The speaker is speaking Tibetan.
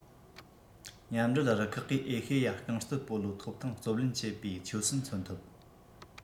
མཉམ འབྲེལ རུ ཁག གིས ཨེ ཤེ ཡ རྐང རྩེད སྤོ ལོ ཐོབ ཐང བརྩོན ལེན བྱེད པའི ཆོད སེམས མཚོན ཐུབ